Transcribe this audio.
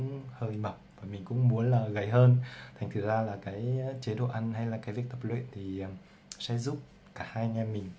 mình cũng hơi mập và muốn gầy hơn vậy nên chế độ ăn hay việc tập luyện sẽ giúp cả hai anh em mình